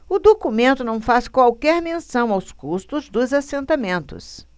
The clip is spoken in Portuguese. o documento não faz qualquer menção aos custos dos assentamentos